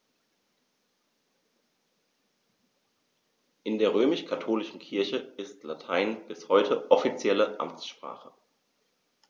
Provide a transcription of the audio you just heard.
In der römisch-katholischen Kirche ist Latein bis heute offizielle Amtssprache.